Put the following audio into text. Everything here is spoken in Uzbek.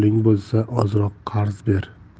bo'lsa ozroq qarz ber